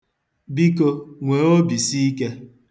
Biko, nwee obisiike.